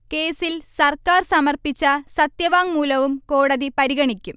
കേസിൽ സർക്കാർ സമർപ്പിച്ച സത്യവാങ്മൂലവും കോടതി പരിഗണിക്കും